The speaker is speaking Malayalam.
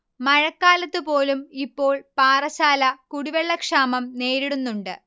മഴക്കാലത്ത് പോലും ഇപ്പോൾ പാറശ്ശാല കുടിവെള്ളക്ഷാമം നേരിടുന്നുണ്ട്